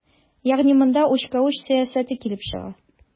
Ягъни монда үчкә-үч сәясәте килеп чыга.